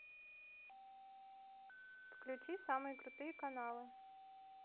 включи самые крутые каналы